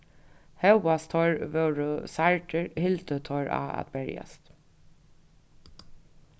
hóast teir vóru særdir hildu teir á at berjast